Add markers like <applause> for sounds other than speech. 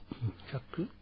<hesitation> <hesitation> chaque